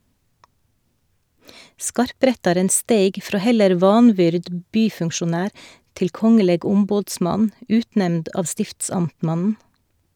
Skarprettaren steig frå heller vanvyrd byfunksjonær til kongeleg ombodsmann, utnemnd av stiftsamtmannen.